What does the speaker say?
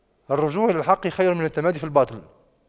الرجوع إلى الحق خير من التمادي في الباطل